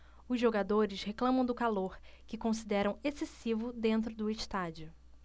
os jogadores reclamam do calor que consideram excessivo dentro do estádio